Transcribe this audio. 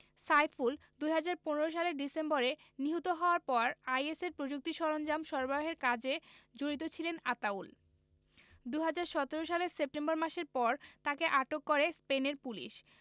সাইফুল ২০১৫ সালের ডিসেম্বরে নিহত হওয়ার পর আইএসের প্রযুক্তি সরঞ্জাম সরবরাহের কাজে জড়িত ছিলেন আতাউল ২০১৭ সালের সেপ্টেম্বর মাসের পর তাকে আটক করে স্পেনের পুলিশ